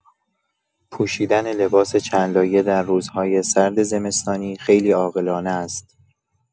پوشیدن لباس چندلایه در روزهای سرد زمستانی خیلی عاقلانه است.